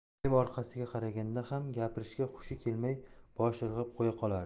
deb orqasiga qaraganda ham gapirishga hushi kelmay bosh irg'ab qo'ya qolardi